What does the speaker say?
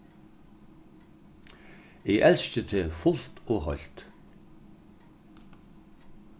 eg elski teg fult og heilt